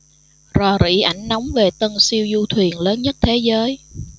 rò rỉ ảnh nóng về tân siêu du thuyền lớn nhất thế giới